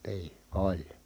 niin oli